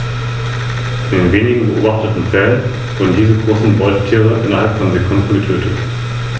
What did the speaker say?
Der Nacken ist goldgelb.